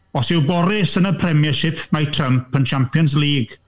Os yw Boris yn y Premiership, mae Trump yn Champions' League.